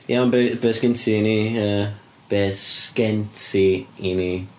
Iawn, be be 'sgen ti i ni. Yy be 'sgen ti i ni?